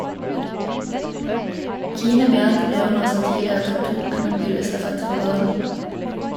Kine Beate Bjørnås har tidligere tatt to NM-gull i stafett for Varden.